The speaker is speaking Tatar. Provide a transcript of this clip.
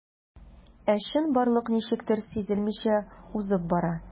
Ә чынбарлык ничектер сизелмичә узып бара.